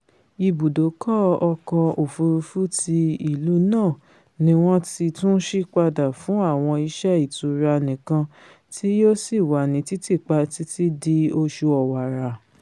Ibùdókọ̀ ọkọ̀ òfurufú ti ìlu náà ni wọ́n ti tún sí padà fún àwọn iṣẹ́ ìtura nìkan tí yóò sì wà ní títìpa títí di oṣù Ọ̀wàrà.